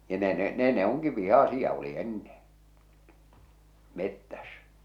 ja ne ne ne ne onkin vihaisia oli ennen metsässä